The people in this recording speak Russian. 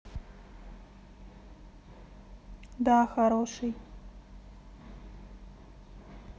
да хороший